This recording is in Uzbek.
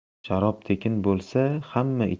sharob tekin bo'lsa hamma